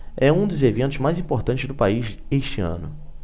é um dos eventos mais importantes do país este ano